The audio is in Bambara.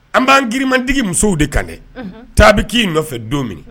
An b'an girimandigi musow de kan dɛ tab'i k'i nɔfɛ don minɛ.